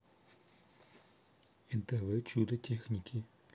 нтв чудо техники